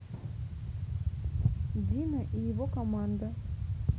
дино и его команда